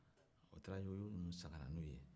a taara yugu-yugu nunun san ka na n'u ye